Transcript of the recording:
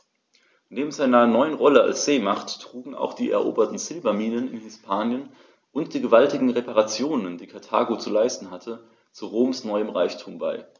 Neben seiner neuen Rolle als Seemacht trugen auch die eroberten Silberminen in Hispanien und die gewaltigen Reparationen, die Karthago zu leisten hatte, zu Roms neuem Reichtum bei.